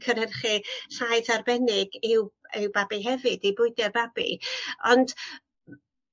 cynhyrchu llaeth arbennig i'w i'w babi hefyd i bwydio'r babi ond